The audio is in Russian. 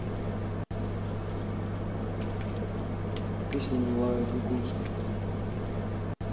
песни милаы гогунской